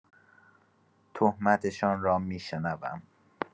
تهمتشان را می‌شنوم.